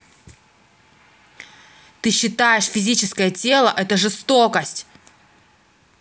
ты считаешь физическое тело это жестокость